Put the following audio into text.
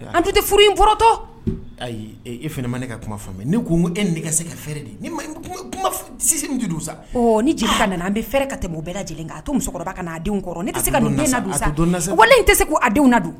An tɛ furu in kɔrɔtɔ ayi i fana ma ne ka kuma fa ne ko e nɛgɛ se ka fɛɛrɛ de sa ni ji nana an bɛ fɛɛrɛ ka tɛmɛ bɛɛ lajɛlen'a to musokɔrɔba ka' denw kɔrɔ ne se ka den wale in tɛ se k'a denw na don